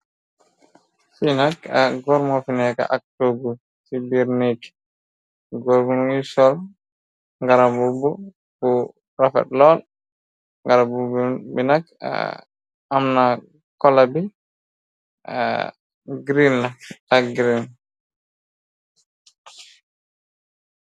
Fi nak goorr mofi neka ak toggu ci birr neeg goor bi mongi sol ngarambub u rafet lol ngarambuubu bi nak amna arr kola bi arr geen la ak gray.